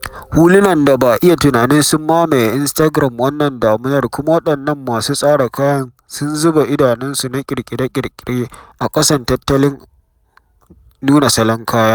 Hulunan da ba a iya tunani sun mamaye Instagram wannan damunar kuma waɗannan masu tsara kayan sun zuba idanunsu na ƙirƙire-ƙirƙire a ƙasan tattakin nuna salon kaya.